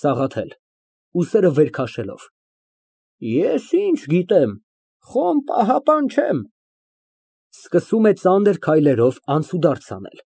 ՍԱՂԱԹԵԼ ֊ (Ուսերը վեր քաշելով)։ Ես ինչ գիտեմ, խոմ պահապան չեմ։ (Սկսում է ծանր քայլերով անցուդարձ անել)։